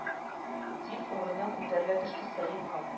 Дип урыныннан күтәрелә төште сәлим хан